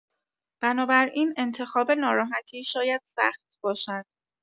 بنابراین انتخاب ناراحتی شاید سخت باشد.